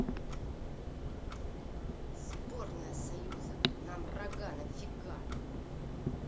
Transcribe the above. сборная союза нам рога нафига